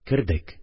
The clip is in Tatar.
Кердек